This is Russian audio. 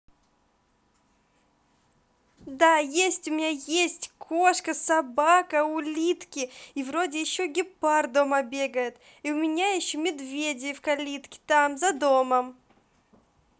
да есть у меня есть кошка собака улитки и вроде еще гепард дома бегает и у меня еще медведи в калитке там за домом